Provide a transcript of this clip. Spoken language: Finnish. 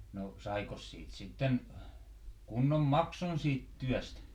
no saikos siitä sitten kunnon maksun siitä työstä